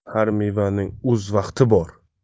har mevaning o'z vaqti bor